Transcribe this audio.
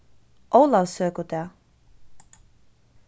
ólavsøkudag